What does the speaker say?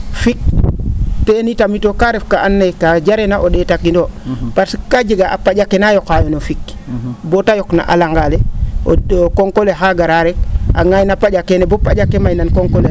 fik ten itamit o kaa ref kaa andoona yee kaa jereena o ?etatin noo parce que kaa jega a pa? ake naa yoqaayo no fik boo te yoq no a la? ale o ko?ko le xaa garaa rek a ?aay na pa?a keen boo pa? ake mayna no ko?ko le rek